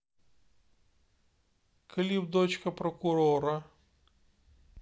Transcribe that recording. клип дочка прокурора